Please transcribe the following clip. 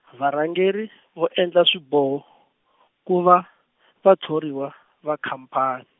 varhangeri vo endla swiboho ku va vathoriwa va khamphani.